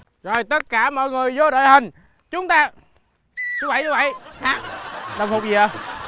rồi tất cả mọi người dô đội hình chúng ta chú bảy chú bảy đồng phục gì dạ